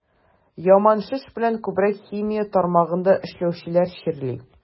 Яман шеш белән күбрәк химия тармагында эшләүчеләр чирли.